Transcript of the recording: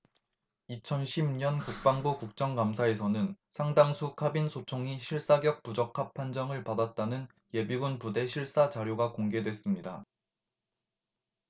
이천 십 년 국방부 국정감사에서는 상당수 카빈 소총이 실사격 부적합 판정을 받았다는 예비군 부대 실사 자료가 공개됐습니다